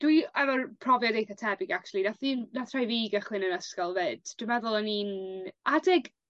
Dwi efo'r profiad eitha tebyg actually nath un... Nath rhai fi gychwyn yn ysgol 'fyd. Dwi meddwl o'n i'n... Adeg